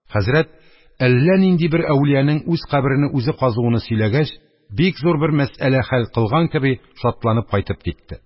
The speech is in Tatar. Хәзрәт әллә нинди бер әүлияның үз каберене үзе казуыны сөйләгәч, бик зур бер мәсьәлә хәл кылган кеби, шатланып кайтып китте.